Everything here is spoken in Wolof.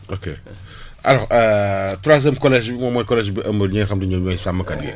ok alors troisième collège bi moom mooy collège bi ëmb ñi nga xam ne ñoom ñooy sàmmkat yi